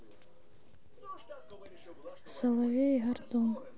соловей и гордон